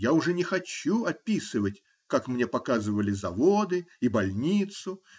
Я уже не хочу описывать, как мне показывали заводы и больницу.